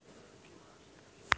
на паузу нажать это